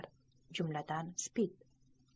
jumladan oits spid